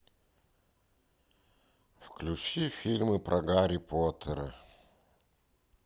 включи фильмы про гарри поттера